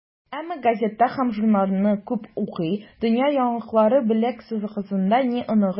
Әмма газета һәм журналларны күп укый, дөнья яңалыклары белән кызыксына, - ди оныгы Лилия.